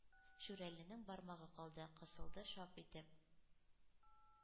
Шүрәленең бармагы калды — кысылды шап итеп.